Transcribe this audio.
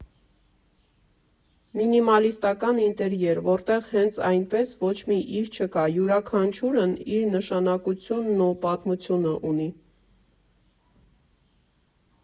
Մինիմալիստական ինտերյեր, որտեղ հենց այնպես ոչ մի իր չկա, յուրաքանչյուրն իր նշանակությունն ու պատմությունն ունի։